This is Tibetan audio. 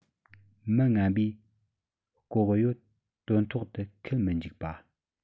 མི ངན པའི ལྐོག གཡོ དོན ཐོག ཏུ འཁེལ མི འཇུག པ